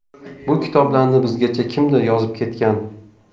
bu kitoblarni bizgacha kimdir yozib ketgan